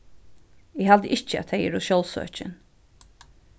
eg haldi ikki at tey eru sjálvsøkin